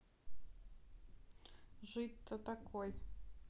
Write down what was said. жить то какой